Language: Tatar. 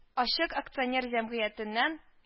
Ачык Акционер Җәмгыятеннән